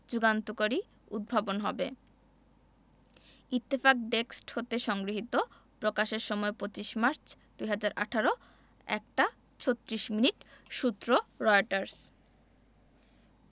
যুগান্তকারী উদ্ভাবন হবে ইত্তেফাক ডেস্ক হতে সংগৃহীত প্রকাশের সময় ২৫মার্চ ২০১৮ ১ টা ৩৬ মিনিট সূত্রঃ রয়টার্স